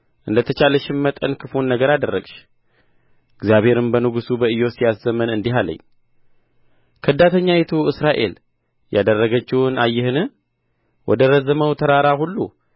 እንደ ተቻለሽም መጠን ክፉን ነገር አደረግሽ እግዚአብሔርም በንጉሡ በኢዮስያስ ዘመን እንዲህ አለኝ ከዳተኛይቱ እስራኤል ያደረገችውን አየህን ወደ ረዘመው ተራራ ሁሉ